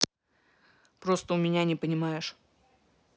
просто у меня не понимаешь